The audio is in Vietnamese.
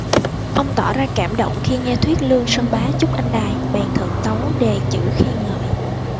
ông tỏ ra cảm động khi nghe thuyết lương sơn bá chúc anh đài bèn thượng tấu đề chữ khen ngợi